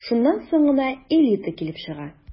Шуннан соң гына «элита» килеп чыга...